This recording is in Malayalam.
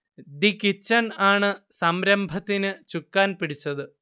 'ദി കിച്ചൺ' ആണ് സംരംഭത്തിന് ചുക്കാൻ പിടിച്ചത്